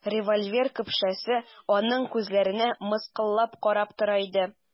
Револьвер көпшәсе аның күзләренә мыскыллап карап тора иде.